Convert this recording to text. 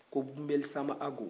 ko gunbeli sanba hako